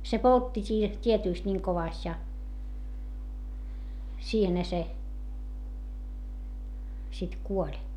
se poltti siihen tietysti niin kovasti ja siihenhän se sitten kuoli